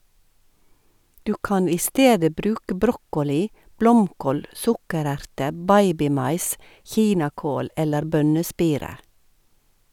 Du kan i stedet bruke brokkoli, blomkål, sukkererter, babymais, kinakål eller bønnespirer.